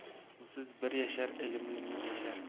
ilmsiz bir yashar ilmli ming yashar